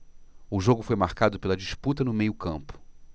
o jogo foi marcado pela disputa no meio campo